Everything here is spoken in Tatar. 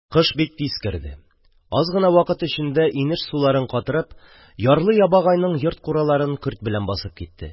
Кыш бик тиз керде, аз гына вакыт эчендә инеш суларын катырып, ярлы-ябагайның йорт-кураларын көрт белән басып китте.